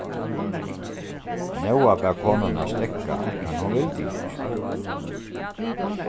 nóa bað konuna steðga men hon vildi ikki